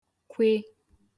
kwe